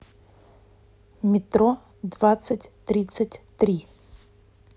метро двадцать тридцать три